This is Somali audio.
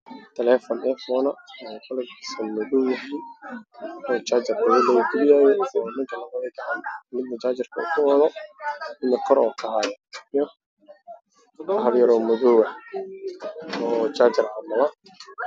Talefan iPhone ah kalarkiisana madow yahay oo jaajarkiisu yahay mid jaajar lagu wado midna kor u kacaya iyo bahal yaro madow ah oo jajar camal ah